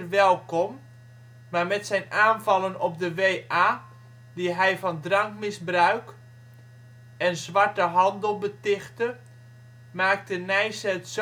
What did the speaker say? welkom, maar met zijn aanvallen op de WA die hij van drankmisbruik en zwarte handel betichtte, maakte Nijsse het